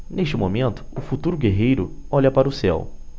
neste momento o futuro guerreiro olha para o céu